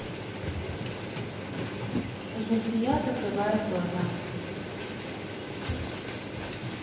зульфия закрывает глаза